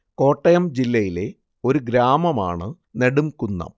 കോട്ടയം ജില്ലയിലെ ഒരു ഗ്രാമമാണ് നെടുംകുന്നം